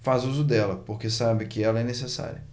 faz uso dela porque sabe que ela é necessária